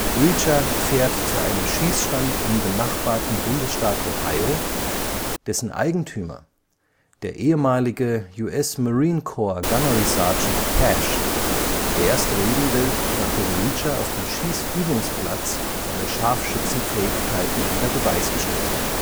Reacher fährt zu einem Schießstand im benachbarten Bundesstaat Ohio, dessen Eigentümer, der ehemalige US-Marine Corps Gunnery Sergeant Cash, erst reden will, nachdem Reacher auf dem Schießübungsplatz seine Scharfschützen-Fähigkeiten unter Beweis gestellt hat